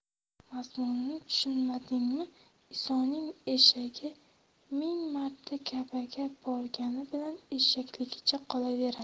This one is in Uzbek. mazmunini tushunmadingmi isoning eshagi ming marta ka'baga borgani bilan eshakligicha qolaveradi